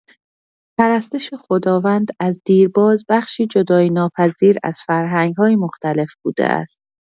پرستش خداوند، از دیرباز بخشی جدایی‌ناپذیر از فرهنگ‌های مختلف بوده است.